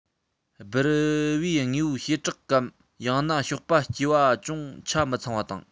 སྦུར པའི དངོས པོའི བྱེ བྲག གམ ཡང ན གཤོག པ སྐྱེས པ ཅུང ཆ མི ཚང བ དང